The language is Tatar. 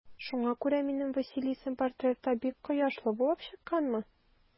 Шуңа күрә минем Василисам портретта бик кояшлы булып чыкканмы?